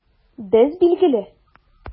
Без, билгеле!